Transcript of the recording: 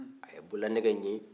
a ye bololanɛgɛ in ye